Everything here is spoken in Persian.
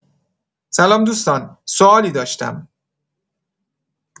سلام دوستان، سوالی داشتم.